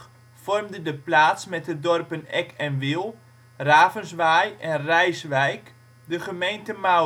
vormde de plaats met de dorpen Eck en Wiel, Ravenswaaij en Rijswijk de gemeente Maurik